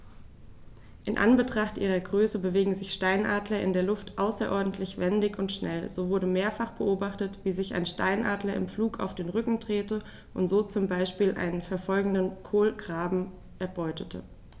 In Anbetracht ihrer Größe bewegen sich Steinadler in der Luft außerordentlich wendig und schnell, so wurde mehrfach beobachtet, wie sich ein Steinadler im Flug auf den Rücken drehte und so zum Beispiel einen verfolgenden Kolkraben erbeutete.